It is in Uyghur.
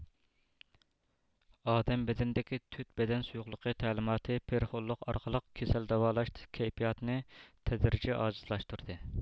ئادەم بەدىنىدىكى تۆت بەدەن سۇيۇقلۇقى تەلىماتى پېرىخونلۇق ئارقىلىق كېسەل داۋالاش كەيپىياتىنى تەدرىجىي ئاجىزلاشتۇردى